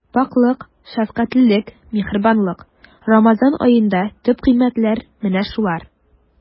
Пакьлек, шәфкатьлелек, миһербанлык— Рамазан аенда төп кыйммәтләр менә шулар.